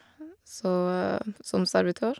så Som servitør.